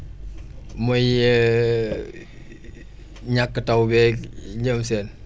muy ñàkk taw beeg ñoom seen